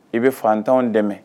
I bɛ fatanw dɛmɛ